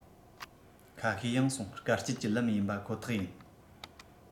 ཁ ཤས ཡང སོང དཀའ སྤྱད ཀྱི ལམ ཡིན པ ཁོ ཐག ཡིན